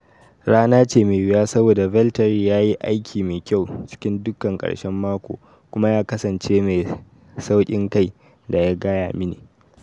Rana ce mai wuya saboda Valtteri ya yi aiki mai kyau cikin dukan karshen mako kuma ya kasance mai saukin kai da ya gaya mini.